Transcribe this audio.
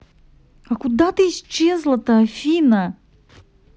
ну ты куда исчезла то афина